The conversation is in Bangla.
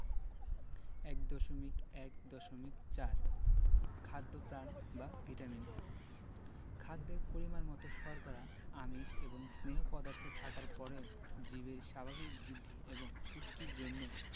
১.১.৪ খাদ্যপ্রাণ বা ভিটামিন খাদ্যে পরিমাণমতো শর্করা আমিষ এবং স্নেহ পদার্থ থাকার পরেও জীবের স্বাভাবিক বৃদ্ধি এবং পুষ্টির জন্য